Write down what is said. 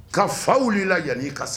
Ka fa wulila yan ni ka